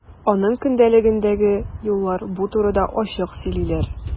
Аның көндәлегендәге юллар бу турыда ачык сөйлиләр.